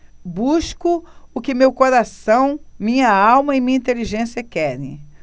busco o que meu coração minha alma e minha inteligência querem